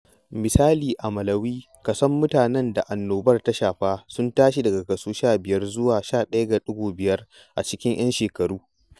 Misali, a Malawi kason mutanen da annobar ta shafa sun tashi daga kaso 15% zuwa 11.5 a cikin 'yan shekaru.